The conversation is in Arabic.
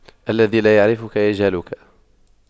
الذي لا يعرفك يجهلك